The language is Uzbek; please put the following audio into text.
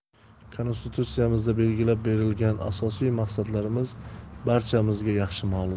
konstitutsiyamizda belgilab berilgan asosiy maqsadlarimiz barchamizga yaxshi ma'lum